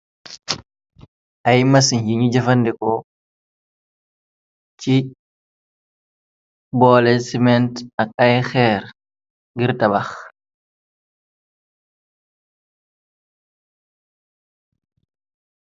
Ay masiñ yinu jëfandeko ci boole siment ak ay xeer ngir tabax.